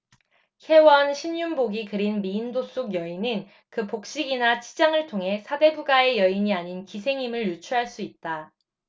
혜원 신윤복이 그린 미인도 속 여인은 그 복식이나 치장을 통해 사대부가의 여인이 아닌 기생임을 유추할 수 있다